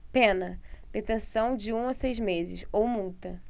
pena detenção de um a seis meses ou multa